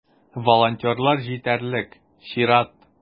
Волонтерлар җитәрлек - чират.